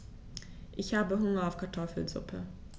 Ich habe Hunger auf Kartoffelsuppe.